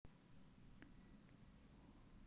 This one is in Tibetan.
དེར བརྟེན རང བྱུང མ ལག ནི རུས རྒྱུད རྣམ ཐར ཞིག དང འདྲ སྟེ